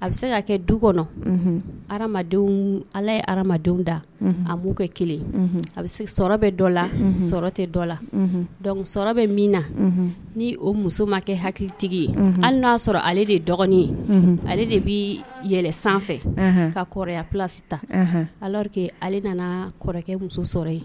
A bɛ se ka kɛ du kɔnɔ ala yedenw da a'u kɛ a bɛ se bɛ dɔ la dɔ la bɛ min na ni o muso ma kɛ hakilitigi hali'a sɔrɔ ale de dɔgɔnin ale de bɛɛlɛn sanfɛ ka kɔrɔya ale nana muso sɔrɔ